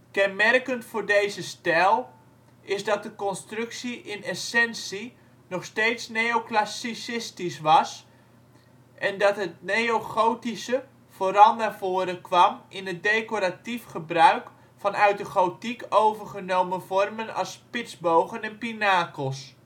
Kenmerkend voor deze stijl is dat de constructie in essentie nog steeds neoclassicistisch was en dat het neogotische vooral naar voren kwam in het decoratief gebruik van uit de gotiek overgenomen vormen als spitsbogen en pinakels